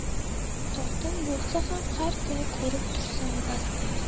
uzoqdan bo'lsa ham har kuni ko'rib tursam bas dedi